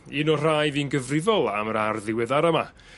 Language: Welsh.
...un o'r rai fu'n gyfrifol am yr ardd ddiweddara 'ma